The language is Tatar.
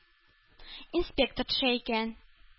Инспектор төшә икән.